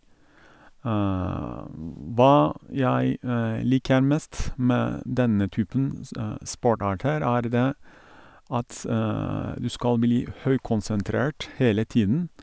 Hva jeg liker mest med denne typen s sportarter, er det at du skal bli høykonsentrert hele tiden.